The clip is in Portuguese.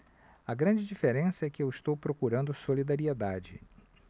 a grande diferença é que eu estou procurando solidariedade